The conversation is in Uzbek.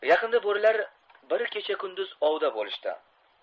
yaqinda bo'rilar bir kecha kunduz ovda bo'lishdi